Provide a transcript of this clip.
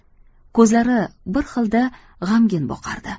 ko'zlari bir xilda g'amgin boqardi